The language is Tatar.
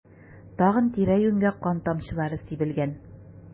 Тагын тирә-юньгә кан тамчылары сибелгән.